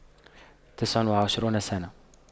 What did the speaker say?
تسع وعشرون سنة